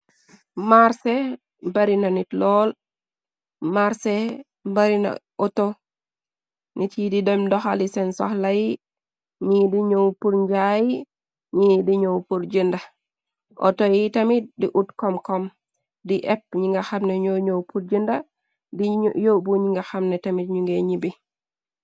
Marsé mbarina nit lool marse barina auto nit yi di dem doxali seen soxla yi ñi di ñoow pur njaay ñi di ñoow pur jënda auto yi tamit di ut kom kom di épp ñi nga xamne ñoo ñyow pur jënda di yobu ñi nga xamne tamit ñu ngee ñibi.